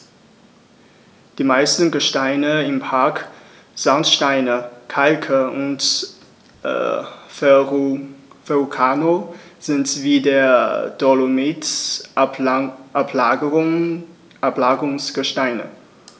Die meisten Gesteine im Park – Sandsteine, Kalke und Verrucano – sind wie der Dolomit Ablagerungsgesteine.